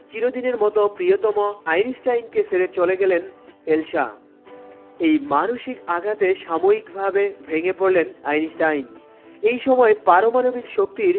চিরদিনের মত প্রিয়তম আইনস্টাইনকে ছেড়ে এলশা এই মানসিক আঘাতে সাময়িকভাবে ভেঙে পড়লেন আইনস্টাইন এই সময় পারমাণবিক শক্তির